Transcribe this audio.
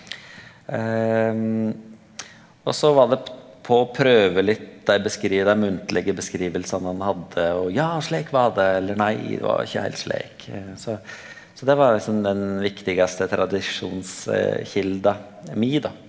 og så var det på prøve litt dei dei munnlege beskrivingane han hadde og ja slik var det, eller nei det var ikkje heilt slik, så så det var liksom den viktigaste tradisjonskjelda mi da.